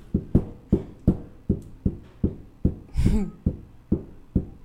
Sanunɛ wagɛnin yo